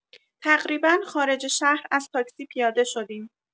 تقریبا خارج شهر از تاکسی پیاده شدیم.